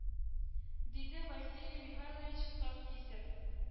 Диде василий михайлович кырт кисеп